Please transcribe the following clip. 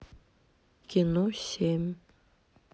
кино семь